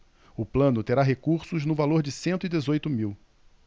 o plano terá recursos no valor de cento e dezoito mil